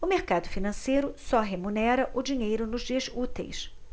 o mercado financeiro só remunera o dinheiro nos dias úteis